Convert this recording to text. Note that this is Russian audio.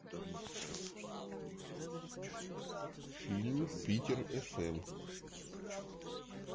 фильм питер эф эм